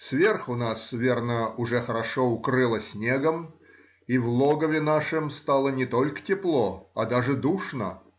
сверху нас, верно, уже хорошо укрыло снегом, и в логове нашем стало не только тепло, а даже душно